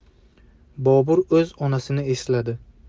bobur o'z onasini esladi